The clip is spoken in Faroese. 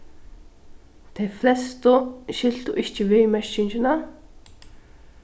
tey flestu skiltu ikki viðmerkingina